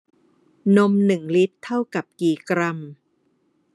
นมหนึ่งลิตรเท่ากับกี่กรัม